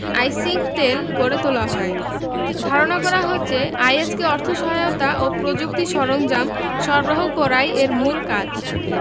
আইসিংকটেল গড়ে তোলা হয় ধারণা করা হচ্ছে আইএস কে অর্থ সহায়তা ও প্রযুক্তি সরঞ্জাম সরবরাহ করাই এর মূল কাজ